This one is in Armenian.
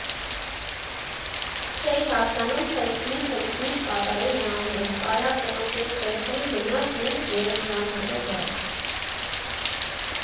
Չէի հասկանում, թե ինքն ինչ կատարում է անում, կարա կնոպկեն սեղմի, գնա տուն, երեք ժամ հետո գա.